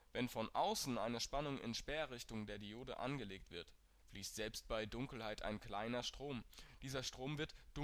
Wenn von außen eine Spannung in Sperrrichtung der Diode angelegt wird, fließt selbst bei Dunkelheit ein kleiner Strom. Dieser Strom wird